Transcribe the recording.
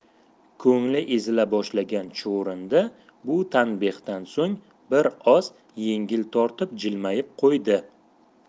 ko'ngli ezila boshlagan chuvrindi bu tanbehdan so'ng bir oz yengil tortib jilmayib qo'ydi